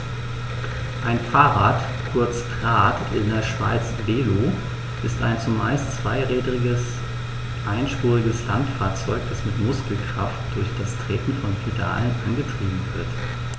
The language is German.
Ein Fahrrad, kurz Rad, in der Schweiz Velo, ist ein zumeist zweirädriges einspuriges Landfahrzeug, das mit Muskelkraft durch das Treten von Pedalen angetrieben wird.